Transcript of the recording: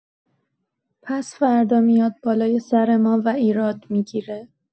پس‌فردا میاد بالای سر ما و ایراد می‌گیره.